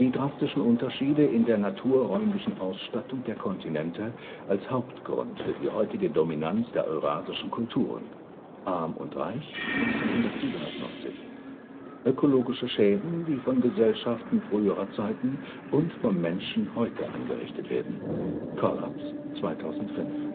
drastischen Unterschiede in der naturräumlichen Ausstattung der Kontinente als Hauptgrund für die heutige Dominanz der eurasischen Kulturen (Arm und Reich, 1997). Ökologische Schäden, die von Gesellschaften früherer Zeiten und vom Menschen heute angerichtet werden (Kollaps, 2005